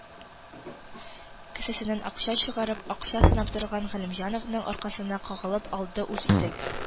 Кесәсеннән акча чыгарып, акча санап торган Галимҗановның аркасына кагылып алды үз итеп